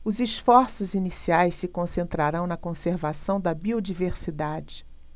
os esforços iniciais se concentrarão na conservação da biodiversidade